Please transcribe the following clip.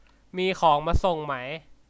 มีของมาส่งไหม